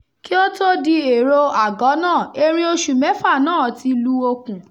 Kí ó tó di èròo àgọ́ náà, erin oṣù mẹ́fà náà ti lu okùn.